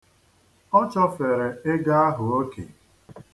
Ọ chọfere ego ahụ oke.